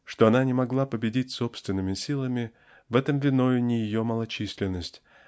Что она не могла победить собственными силами в этом виною не ее малочисленность